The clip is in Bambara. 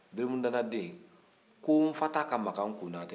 belemu dana den konfata ka makan konatɛ